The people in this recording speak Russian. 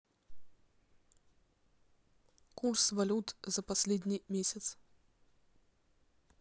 курс валют за последний месяц